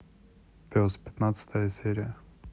пес пятнадцатая серия